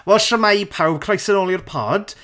Wel shwmae pawb croeso nôl i'r pod.